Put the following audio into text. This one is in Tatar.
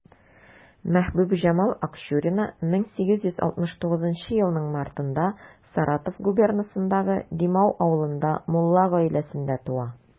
Мәхбүбҗамал Акчурина 1869 елның мартында Саратов губернасындагы Димау авылында мулла гаиләсендә туа.